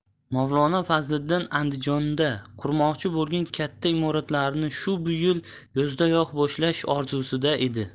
mavlono fazliddin andijonda qurmoqchi bo'lgan katta imoratlarini shu bu yil yozdayoq boshlash orzusida edi